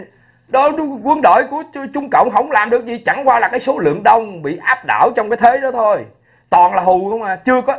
quân quân đội của trung trung cộng không làm được gì chẳng qua là cái số lượng đông bị áp đảo trong cái thế đó thôi toàn là thù luôn à chưa có